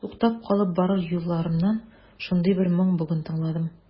Туктап калып барыр юлларымнан шундый бер моң бүген тыңладым.